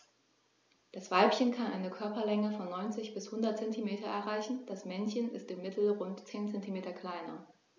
Das Weibchen kann eine Körperlänge von 90-100 cm erreichen; das Männchen ist im Mittel rund 10 cm kleiner.